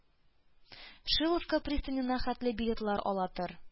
Шиловка пристанена хәтле билетлар ала тор.